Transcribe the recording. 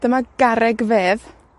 dyma garreg fedd.